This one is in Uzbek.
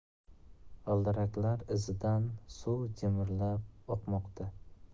g'ildiraklar izidan suv jimirlab oqmoqda